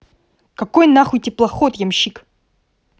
какой нахуй теплоход ямщик